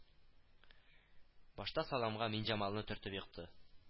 Башта саламга Миңҗамалны төртеп екты